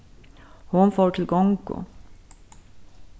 hon fór til gongu